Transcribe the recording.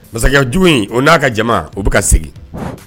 Masakɛ jugu in n'a ka jama u bɛ ka segin